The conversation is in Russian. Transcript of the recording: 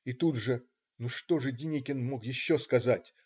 И тут же: ну, что же Деникин мог еще сказать?